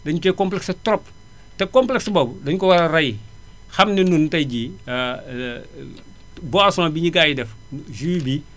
dañu cee compléxé trop te complexe boobu dañu ko war a ray xam ne ñun tay jii boisson bi ñu gars yi def jus bii